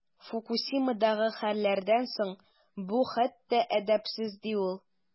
Фукусимадагы хәлләрдән соң бу хәтта әдәпсез, ди ул.